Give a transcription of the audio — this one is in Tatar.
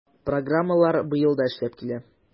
Программалар быел да эшләп килә.